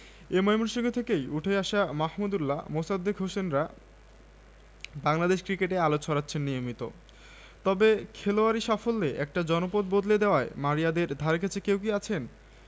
এটা তুমি কোথায় পেলে বুবু শরিফা আপনার খবরের কাগজে নানা ও এই কথা এই যে তুমি রোদে বসে পড়ছ তোমার ভালো লাগছে শরিফা হ্যাঁ লাগছে নানা